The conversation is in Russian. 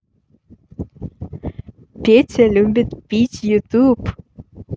петя любит пить youtube